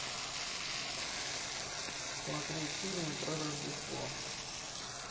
смотреть фильмы про рождество